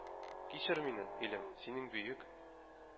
Кичер мине, илем, синең бөек